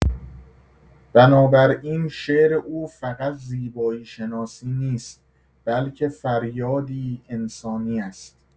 بنابراین شعر او فقط زیبایی‌شناسی کلام نیست، بلکه فریادی انسانی است.